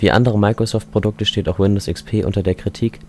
andere Microsoft-Produkte steht auch Windows XP unter der Kritik